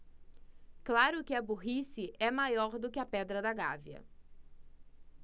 claro que a burrice é maior do que a pedra da gávea